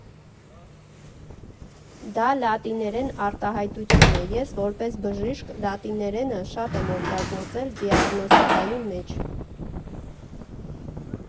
Դա լատիներեն արտահայտություն է, ես՝ որպես բժիշկ, լատիներենը շատ եմ օգտագործել դիագնոստիկայի մեջ։